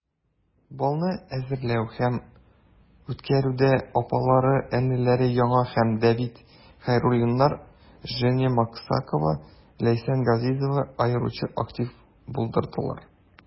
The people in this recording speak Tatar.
Балны әзерләү һәм үткәрүдә апалы-энеле Яна һәм Демид Хәйруллиннар, Женя Максакова, Ләйсән Газизова аеруча актив булдылар.